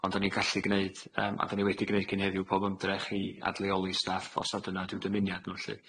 ond 'dan ni'n gallu gneud yym a 'dan ni wedi gneud cyn heddiw pob ymdrech i adleoli staff os 'na dyna 'di'i dymuniad nhw lly.